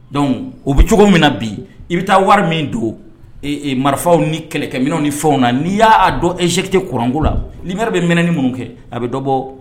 Dɔnku o bɛ cogo min na bi i bɛ taa wari min don marifaw ni kɛlɛkɛmin ni fɛnw na'i y'a dɔn ezete kuranko la nii yɛrɛ bɛ mɛn ni minnu kɛ a bɛ dɔbɔ